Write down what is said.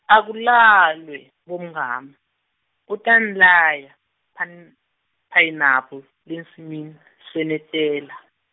Akulalwe, bomngamu, utanilaya, phan- phayinaphu, lensimini, senetela.